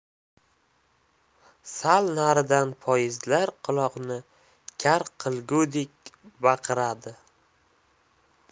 sal naridan poyezdlar quloqni kar qilgudek baqiradi